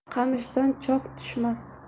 qamishdan cho'g' tushmas